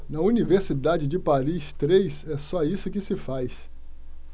na universidade de paris três é só isso que se faz